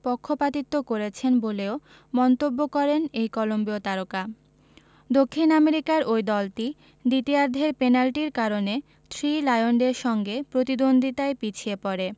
পক্ষপাতিত্ব করেছেন বলেও মন্তব্য করেন এই কলম্বিয় তারকা দক্ষিণ আমেরিকার ওই দলটি দ্বিতীয়ার্ধের পেনাল্টির কারণে থ্রি লায়নদের সঙ্গে প্রতিদ্বন্দ্বিতায় পিছিয়ে পড়ে